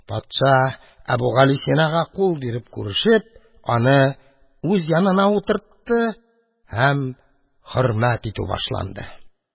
Патша, Әбүгалисинага кул биреп күрешеп, аны үз янына утыртты һәм хөрмәт итү башланды.